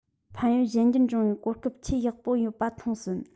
ཕན ཡོད གཞན འགྱུར འབྱུང བའི གོ སྐབས ཆེས ཡག པོ ཡོད པ མཐོང ཟིན